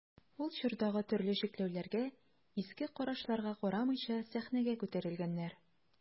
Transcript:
Ул чордагы төрле чикләүләргә, иске карашларга карамыйча сәхнәгә күтәрелгәннәр.